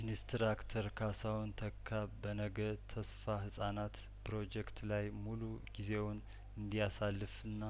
ኢንስትራክተር ካሳሁን ተካ በነገ ተስፋ ህጻናት ፕሮጀክት ላይ ሙሉ ጊዜውን እንዲያሳልፍና